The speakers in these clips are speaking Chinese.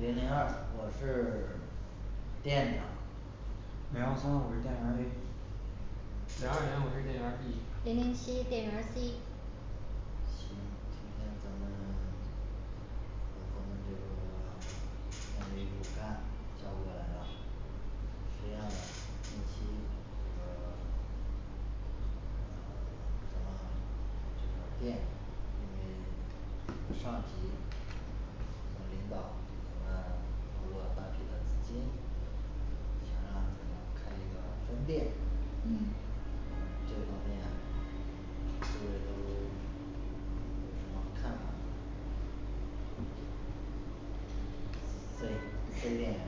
零零二我是 店长零幺三我是店员儿A 零二零我是店员儿B 零零七店员儿C 行，今天咱们 三名骨干叫过来了是这样的近期呃 这个店因为这个上级领呃领导投入了大批的资金以前那个开一个分店嗯这方面各位都都看看对试店员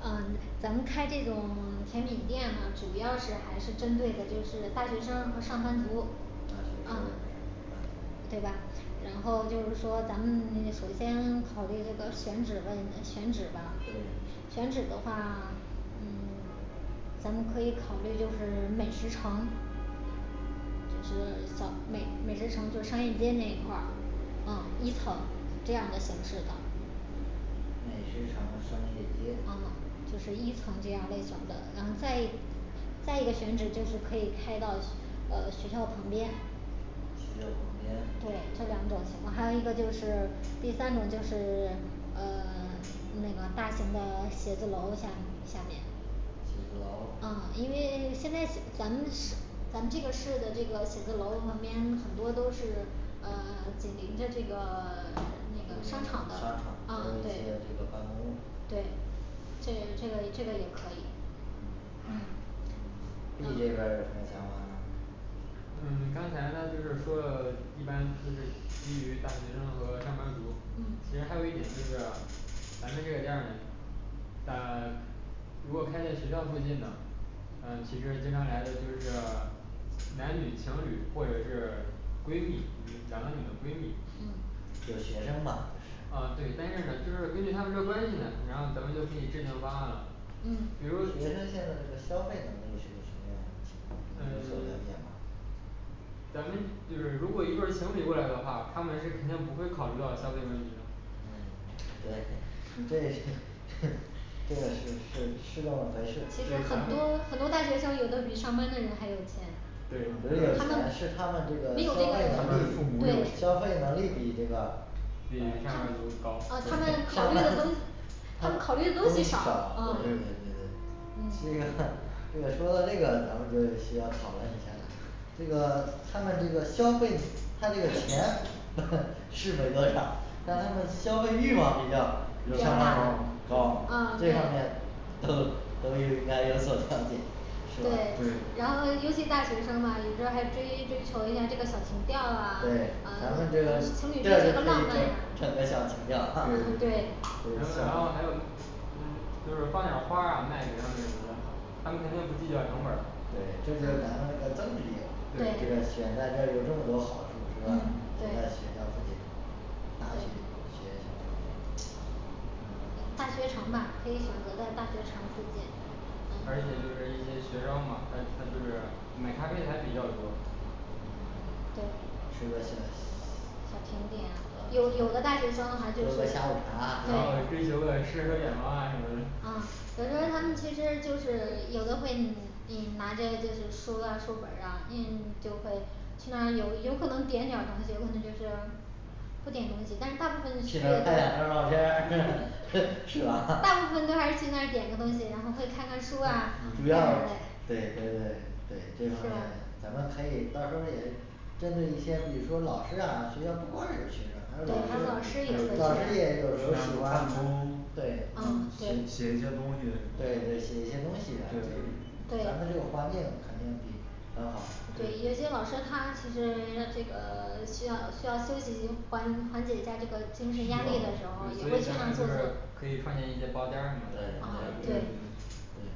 呃 咱们开这种 甜品店吧主要是还是针对的就是大学生儿和上班族大学生上班嗯族对吧？然后就是说咱们呢首先 考虑这个选址问，呃选址吧对选址的话 嗯 咱们可以考虑就是美食城就是小美美食城就商业街那一块儿呃一层这样的形式的美食城商业街啊就是一层这样儿类型的，然后再一再一个选址就是可以开到呃学校旁边学校旁对边这两种情况，还有一个就是第三种就是 呃 那个大型的 写字楼下下面写字楼啊因为现在这 咱们这市咱们这个市的这个写字楼旁边很多都是呃 紧邻着这个 那个呃商商场场的啊对尤其这个办公对对这个这个也可以嗯嗯嗯 B这边儿有什么想法嗯刚才呢就是说 一般就是基于大学生和上班族，其实嗯还有一点儿就是咱们这个店儿呢在 如果开在学校附近的，呃其实经常来的就是 男女情侣或者是闺蜜嗯两个女的闺蜜嗯就学生吧啊对，但是呢根据他们这关系呢，然后咱们就可以制定方案了嗯比学如生现在的消费能力是个什么样的情况有所了呃 解吗咱们就是如果一对儿情侣过来的话，他们是肯定不会考虑到消费的问题的嗯对对 这个是是是这么回事其实很多很多大学生有的比上班的人还有钱对嘛，因为是他他们们这个没有消这个费能对力消费能力比这个比下面都他嗯高他们考虑的东西他们考虑的东东西西少少啊啊对对对对这个嗯 这个说到这个咱们就需要讨论一下儿这个他们这个消费他这个钱 是没多少，但他们的消费欲望比较比比较相较大大啊当对高啊对这方面都都应该有所了解 对，然后尤其大学生呢有时候还追追求一下儿这个小情调儿对啊，咱们这呃个情侣座店儿什儿就么可浪以漫整整个小情调呀儿啊嗯对然后还要嗯就是放点儿花儿啊卖给他们什么的他们肯定不计较成本儿，对这就是咱们这增值业务这个对钱在这有这么多好处是吧嗯在这儿对消费大学大学城吧可以选择在大学城附近而且就是一些学生嘛他他就是买咖啡还比较多。对吃个小小小甜点啊啊喝，有有的大学生还就是个对下午茶啊啊然后追求个诗和远方啊什么的啊有时候儿他们其实就是有的会嗯拿着就是书啊书本儿啊嗯就会去那儿有有可能点儿东西。有可能就是不点东西，但是大部分去去那儿拍照片儿对 是吧大部分还是去那儿点个东西，然后会看看书嗯啊主干啥嘞要对对对对这方是面吧咱们可以到时候儿也针对一些比如说老师啊，学校不光是学生还有对还老有师老师老师也也会有时候喜办欢对公嗯写对写一些东西对对对写一些东西咱就是咱们对这个环境肯定比比较对好有些老师他其实 这个 需要需要休息，缓缓解一下儿这个精神压力的时候儿也对所会以去咱那们坐就着是可以创建一些包间儿什么的啊咱们可对以嗯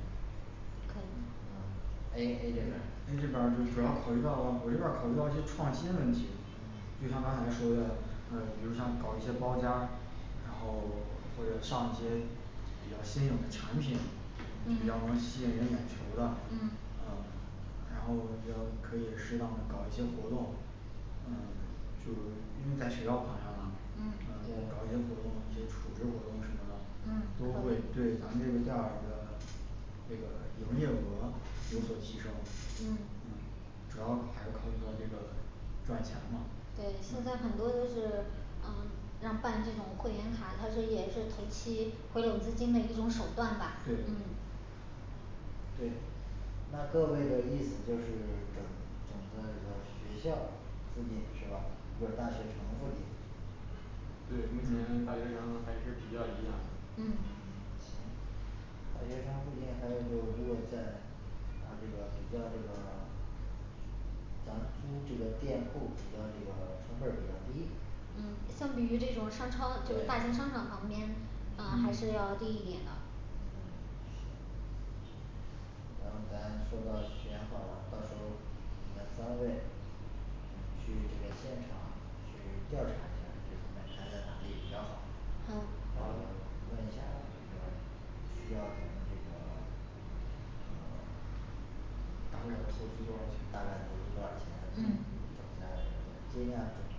可以啊 A A这边儿 A这边儿就主要考虑到我这边儿考虑到一些创新问题嗯就像刚才说的嗯比如像搞一些包间儿然后或者上一些比较新颖的产品就比较嗯能吸引人眼球儿的嗯嗯然后也可以适当的搞一些活动嗯就因为在学校旁边儿嘛嗯呃搞一些活动一些储值活动什么嗯的包括对可以对咱们这一片儿的这个营业额有所提嗯升嗯嗯，主要还是考虑到这个赚钱嘛对，现在很多都是呃让办这种会员卡，它是也是同期回笼资金的一种手段吧嗯对对那各位的意思就是整整个这个学校附近是吧？不是大学城附近对，目前大学城还是比较理想嗯嗯行大学城附近，还有如果在呃这个比较这个咱租这个店铺比较这个成本儿比较低嗯相比于这种商超就大型对商场旁边呃还是要低嗯一点的嗯行刚才说到选好了，到时候儿你们三位嗯去这个现场去调查一下这方面开在哪里比较好好好想问一下儿这个，需要从这个咱们这儿投资多少钱大概投嗯资多少钱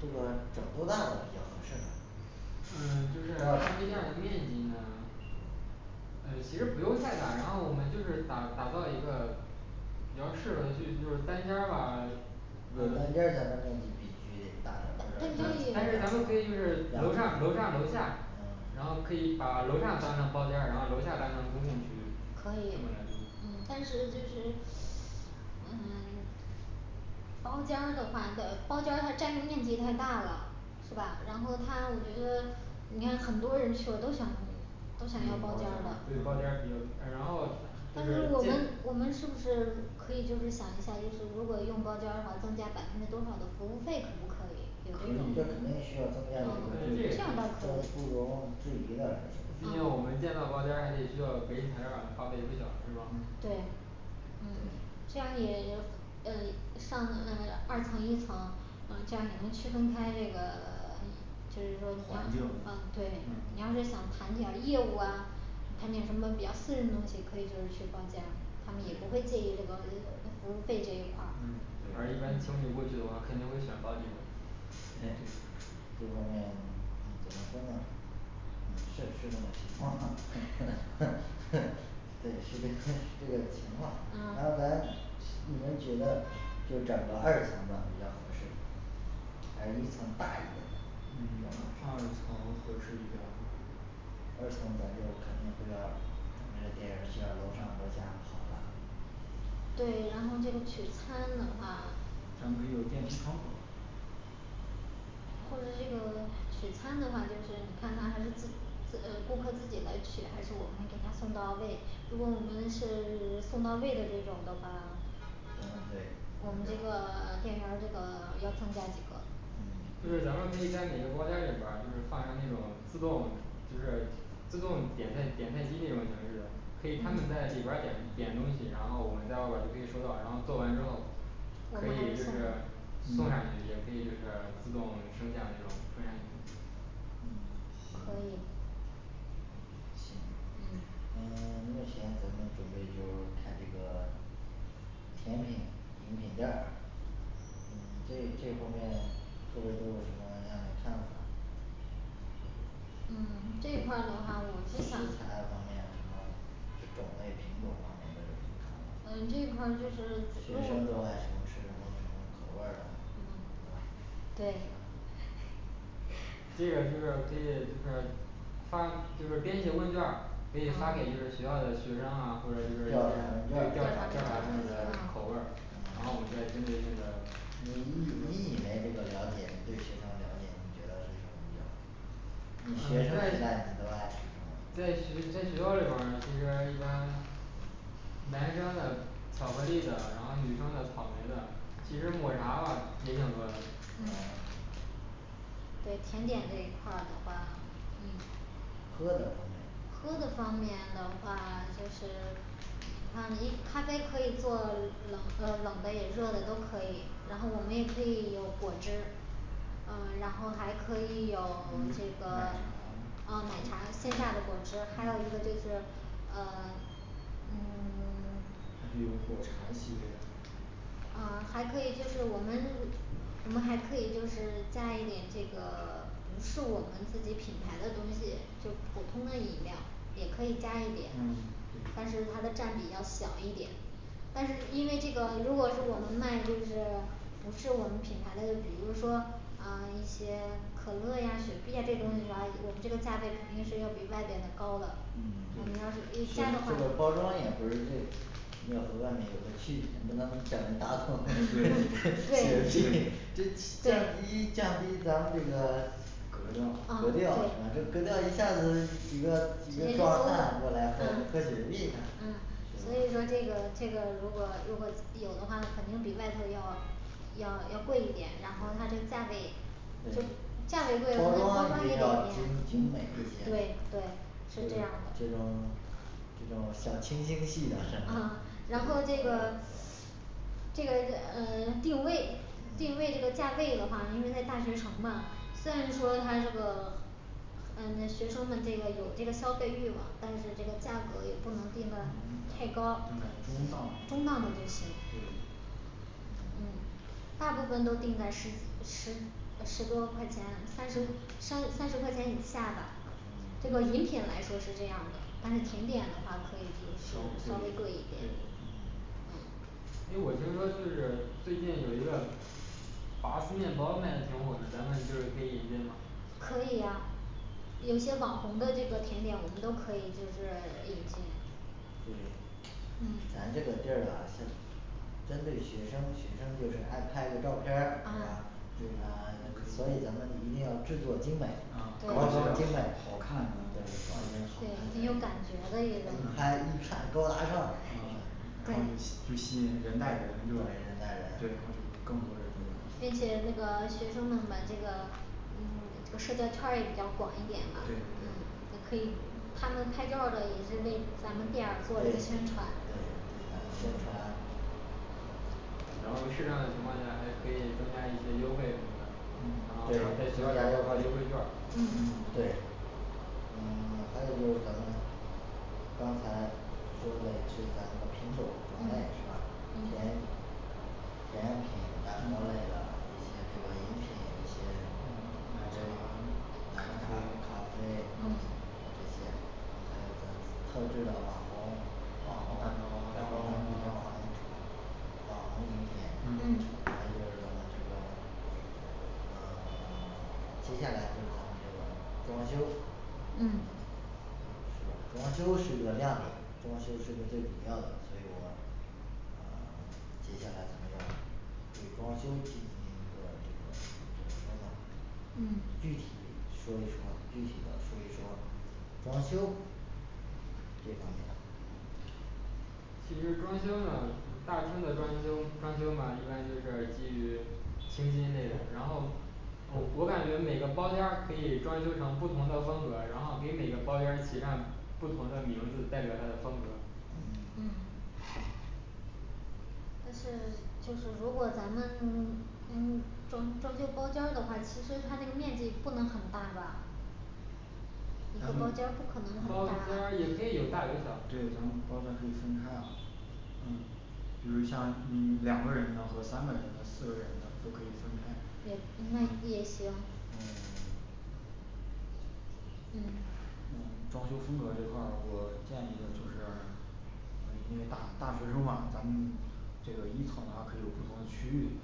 这个整多大的比较合适呢嗯就咖是啡店的面积呢呃其实不用在哪儿，然后我们就是打打造一个比较适合去就是单间儿吧有单间儿咱们那个必单须得但是大咱们单可点以间也儿是嗯楼上楼上楼下，嗯然后可以把楼上当成包间儿，然后楼下当成公共区可这么以嗯来做但是就是嗯 包间儿的话的包间儿它占用面积太大了是吧？然后他我觉得你看很多人去了都想都想要包间儿了对包间就呃然后就但是如果我们是我们是不是可以就是想一下，就是如果用包间儿的话增加百分之多少的服务费，可不可以有可肯以相比下这种啊定这需要增这加服务也费是样倒可的不容以置疑的这是毕竟我啊们建造包间儿还得需要隔音材料儿也花费不小是吧嗯对嗯 这样也也呃上面儿二层一层呃这样也能区分开这个 一就是说环你境要嗯啊对你要是想谈点儿业务啊谈点什么比较私人的东西可以就是去包间儿他们也不会介意这个呃服务费这一块儿嗯而一般情侣对 过去的话肯定会想高级的对这方面嗯怎么说呢嗯是是这个情况 对是这个 这个情况还嗯有咱你们觉得就整个二层的比较合适还有一层大一点嗯整个儿上的层格式一样二层咱就肯定会要呃点儿就要楼上楼下跑了对，然后这个取餐的话咱们不是有电梯窗口儿吗或者这个取餐的话，就是你看他还是自自呃顾客自己来取，还是我们给他送到位如果我们是 送到位的这种的话 咱们得我们这个 店员儿这个 要增加几个就嗯是咱们可以每个包间儿里儿边就是放下那种自动就是自动点菜点菜机那种形式的，可以他们在里嗯边儿点点东西，然后我们在外边可以收到，然后做完之后往可上以就送是送上去也可以就是自动升降那种嗯嗯可以行行嗯呃 目前咱们准备就开这个甜品饮品店儿嗯 对于这方面各位都有什么样的看法嗯这一块儿的话我是食材想方面咱们就种类品种方面都有什么看法儿嗯这块儿就是学如生都果爱什么吃什么口味儿的对啊啊这个就是可以就是发就是编写问卷儿可以发给就是学校的学生啊，或者就是一调些查调对调查查调啊查他们的嗯口味儿然后我们再针对性的啊你你以为这个了解你对学生了解你觉得是什么比较现在在很多大学生在其实在学校里面儿，其实一般男生的巧克力的，然后女生的草莓的其实抹茶吧也挺多的嗯嗯对甜点儿这一块儿的话嗯喝的方面喝的方面的话就是你看你咖啡可以做，冷呃冷的也热的都可以，然后我们也可以有果汁儿呃然后还可以有 这奶个 茶啊奶茶现榨的果汁，还有一个就是呃 嗯 一些果茶一些呃还可以就是我们我们还可以就是加一点这个不是我们自己品牌的东西，就普通的饮料也可以加一点嗯，但是它的占比要小一点但是因为这个如果是我们卖就是不是我们品牌的，比如说呃一些可乐呀雪碧呀这东西的话，我们这个价位肯定是要比外面的高的我嗯们要是其诶实这样的话这个包装也不是这要和外面有个区别不能整大众 这对对降低降低咱们这个啊格调格调儿是对吧这格调儿一下子几个几个壮汉过来喝嗯喝雪碧 那所以对说这个这个如果如果有的话肯定比外头要要要贵一点然后它的价位对就价位贵了咱包们包装装一也定要得精变精美一对些对是这样的这种这种小清新系的啊 然后这个这个日呃定位定位这嗯个价位的话因为在大学城嘛虽然说他这个呃那学生们这个有这个消费欲望，但是这个价格也不能定的嗯太高，那中档中档的就行对嗯嗯大部分都定在十十呃十多块钱，三十三三十块钱以下吧这个嗯饮品来说是这样的但是甜点的话可以就是稍稍微贵一贵点对嗯嗯诶我听说就是最近有一个拔丝面包卖的挺火的咱们就是可以引进吗可以啊有些网红的这个甜点我们都可以就是引进对咱嗯这个地儿啊像针对学生学生就是爱拍个照片儿啊是吧啊所以咱们一定要制作精美啊主要好包好装精美看什么的对挺感觉的诶一一个拍一看高大上是吧呃然后就吸就对吸引对人人带带人就人对然后就更多人并且那个学生们的这个嗯 这个社交圈儿也比较广一点儿对嘛他对可以他们拍照儿的也是为咱们店儿做了一个宣传对为咱们宣传然后适当的情况下还可以增加一些什么优惠的。然后嗯在学校来还有优惠券嗯对嗯 还有一个条件刚才说嘞是咱这个品种种嗯类是吧甜嗯甜品蛋糕类的一些部分饮品一些南非咖啡嗯这些还有咱特制的网蛋糕红网蛋红蛋糕糕网红饮品嗯嗯还有咱们这个呃 接下来就是咱们这个装修嗯是吧装修是最主要的装修是最主要的所以我呃 接下来我们要就装修进行一个那个那么嗯具体说一说，具体的说一说装修这方面儿其实装修呢大厅的装修装修嘛一般就是基于清新类的然后哦我感觉每个包间儿可以装修成不同的风格儿，然后给每个包间儿起上不同的名字代表它的风格儿嗯行嗯但是就是如果咱们 嗯装装修包间儿的话，其实它这个面积不能很大的一个咱包们间儿不可能很包间大儿也可的以有大有小对咱们包间儿可以分开了嗯比如像嗯两个人的和三个人的四个人的都可以分也开，那也行嗯 嗯嗯装修风格这一块儿呢，我建议呢就是呃因为大大学生嘛咱们这个一层的话可以有不同的区域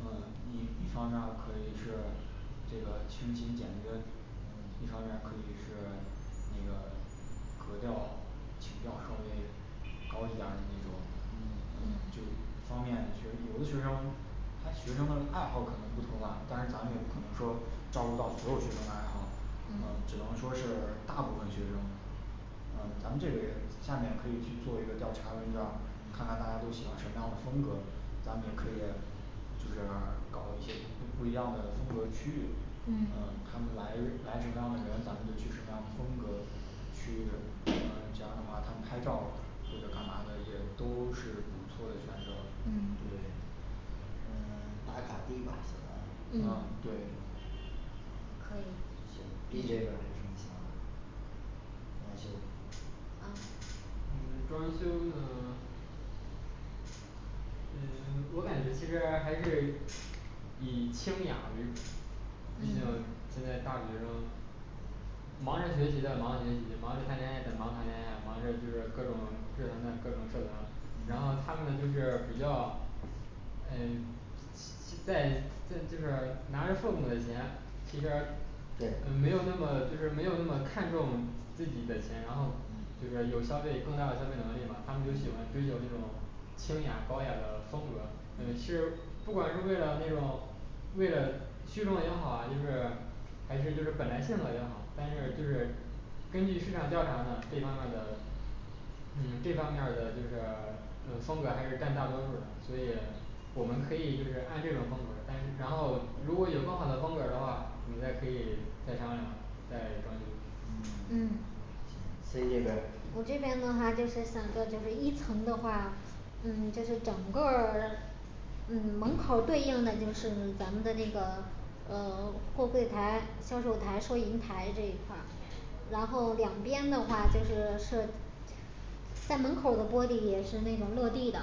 嗯呃一一方面儿可以是这个清新简约，一嗯方面儿可以是那个格调情调稍微高一点儿的那种嗯就嗯方便学生有的学生他学生的爱好可能不同了，但是咱们也不能说照顾到所有学生的爱好，啊只嗯能说是大部分学生呃咱们这个下面可以去做一个调查问卷儿，嗯看看大家都喜欢什么样的风格，咱们也可以就是搞一些不一样的风格区域呃嗯他们来来什么样的人，咱们就去什么样的风格去嗯这样的话他们拍照儿或者干嘛的也都是不错的选择嗯对呃 打卡地吧啊啊嗯对可以行你这边儿有什么想法装修啊嗯装修那个呃我感觉其实还是以轻氧为主毕竟嗯现在大学生忙着学习的忙学习忙着谈恋爱的，忙谈恋爱忙着就是各种日常的各种社团，然后他们呢就是比较呃就在在就是拿着父母的钱，其实对没有那么就是没有那么看重自己的钱，然后这嗯个有消费更大的消费能力吧他们都喜欢追求那嗯种清雅高雅的风格，嗯其实嗯不管是为了那种为了虚荣也好就是还是就是本来性格也好，但是就是根据市场调查呢对他们的嗯这方面儿的就是嗯风格儿还是占大多数儿的，所以我们可以就是按这种风格儿，但是然后如果有更好的风格儿的话，我们再可以再商量。 再装修嗯嗯行C这边儿我这边的话就是想就是一层的话，嗯就是整个儿的嗯门口儿对应的就是咱们的那个呃 货柜台、销售台收银台这一块儿然后两边的话就是设在门口儿的玻璃也是那种落地的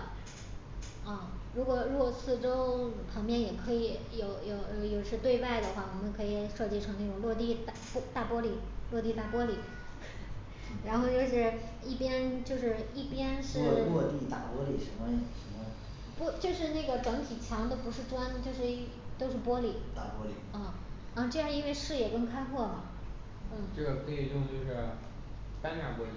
啊如果如果四周儿旁边也可以有有呃有是对外的话，我们可以设计成那种落地大玻大玻璃，落地大玻璃 然后就是一边就是一边是落落地大玻璃什么什么玻就是那个整体墙都不是砖就是一都是玻璃大玻璃啊啊这样因为视野更开阔嘛这嗯个可以用就是单面儿玻璃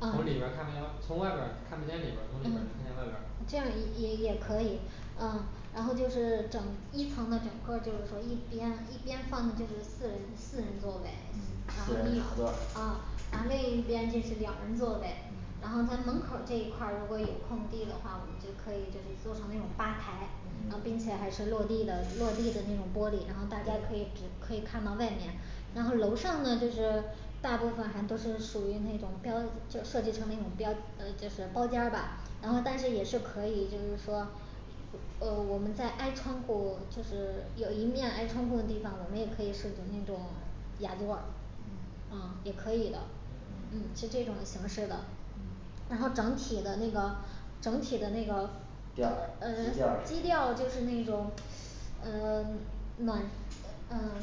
从里啊边儿不见从外边儿看不见里边儿从里边儿嗯看到外边儿这样也也可以啊然后就是整一层的整个儿就是说一边一边放的就是四人四人座嗯位，然四后人另茶座儿啊然后另一边就是两人座位，然嗯后在门口儿这一块儿，如果有空地的话我们就可以就是做成那种吧台，啊嗯并且还是落地的落地的那种玻璃，然后大家可以只可以看到外面然后楼上呢就是大部分还都是属于那种标就设计成那种标呃就是包间儿吧然后但是也是可以就是说呃我们在挨窗户就是有一面挨窗户的地方，我们也可以设置那种雅座儿嗯啊也可以的嗯是嗯这种形式的然嗯后整体的那个整体的那个调呃儿基基调调儿儿就是什么是那种呃 暖呃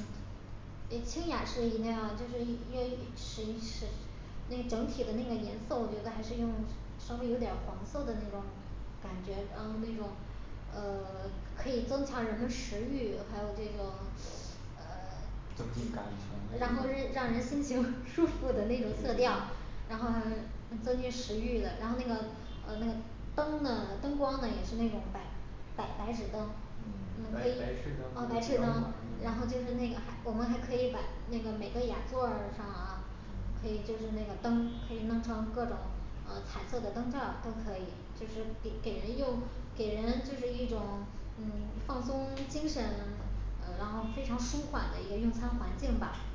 诶清雅是一定要就是一要一呃试一试那整体的那个颜色我觉得还是用稍微有点儿黄色的那种感觉然后那种呃 可以增强人们食欲，还有这种呃 整体感然后觉上让人心情 舒服的那种色调儿然后呃增进食欲的然后那个呃那个灯呢灯光呢也是那种白白白纸灯我们嗯可白以炽啊灯白帜灯然后就是那个还我们还可以把那个每个雅座儿上啊嗯可以就是那个灯可以弄成各种呃彩色的灯罩儿都可以就是给给人用，给人就是一种嗯 放松精神，呃然后非常舒缓的一个用餐环境吧嗯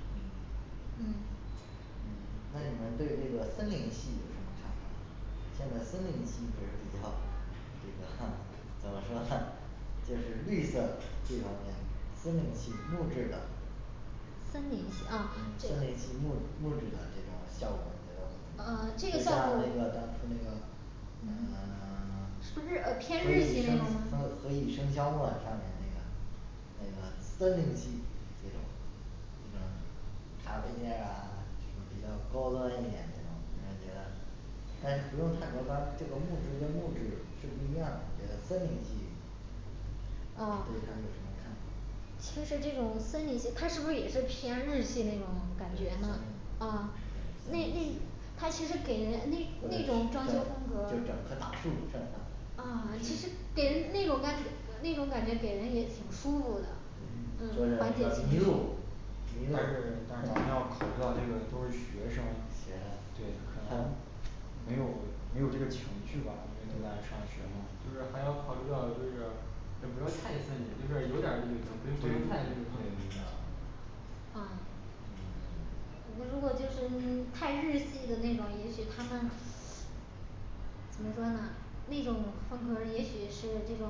嗯嗯嗯那你们对这个森林系有什么看法现在森林系就是比较这个 怎么说呢就是绿色这种森林系木质的森林系嗯啊这森林系木木制的，这种效果比啊较这个就效像果那个当初那个嗯嗯呃 不是呃偏何日系以那笙种嘛何何以笙箫默上面那个那个森林系这种他比较就觉得高端一点儿这种感觉但是不用太高端，这种木质跟木质是不一样的，这个森林系对他啊有什么看法其实这种森林系他是不是也是偏日系那种感觉嗯？啊那那他其实给人那那种装修风格儿就整棵大树 啊 其实给人那种感觉那种感觉给人也挺舒服的。嗯嗯缓解情绪主要是甜品要考虑到这个都是学生学生啊这个没有没有这个情趣吧，因为都在那上学就是还要考虑到就是也不要太森林就是有点儿绿就行不用不用太绿啊啊啊可能如嗯 果就是太日系的那种也许他们怎么说呢那种风格儿也许是这种